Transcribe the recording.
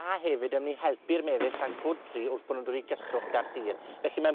a hefyd yn myn' i helpu'r mefus rag bwdri wrth bo' nw'n dod i gyswllt â'r tir. Felly, ma'n